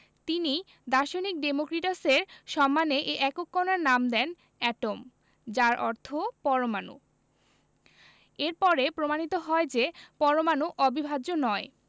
তিনি দার্শনিক ডেমোক্রিটাসের সম্মানে এ একক কণার নাম দেন এটম যার অর্থ পরমাণু এর পরে প্রমাণিত হয় যে পরমাণু অবিভাজ্য নয়